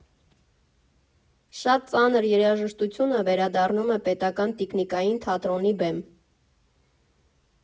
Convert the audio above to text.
Շատ ծանր երաժշտությունը վերադառնում է Պետական տիկնիկային թատրոնի բեմ։